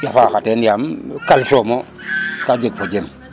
a faxa teen yaam calcium mo ka jeg fojem